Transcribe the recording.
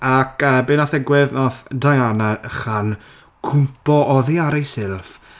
Ac yy be wnaeth ddigwydd nath Diana ychan cwmpo oddi ar ei silff...